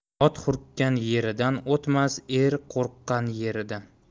ot hurkkan yeridan o'tmas er qo'rqqan yeridan